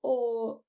o